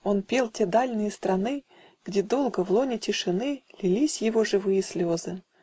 Он пел те дальные страны, Где долго в лоно тишины Лились его живые слезы